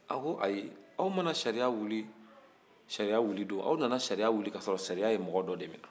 a ko ayi aw ma na sariya wuli sari wulidon aw nana sariya wuli kasɔrɔ sariya ye mɔgɔ dɔ de minɛ